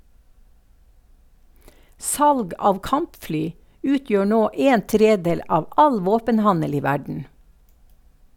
Salg av kampfly utgjør nå en tredel av all våpenhandel i verden.